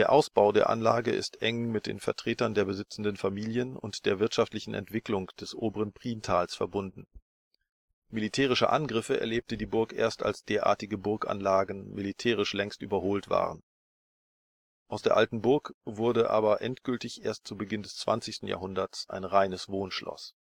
Ausbau der Anlage ist eng mit den Vertretern der besitzenden Familien und der wirtschaftlichen Entwicklung des oberen Prientales verbunden. Militärische Angriffe erlebte die Burg erst, als derartige Burganlagen militärisch längst überholt waren. Aus der alten Burg wurde aber endgültig erst zu Beginn des 20. Jahrhunderts ein reines Wohnschloss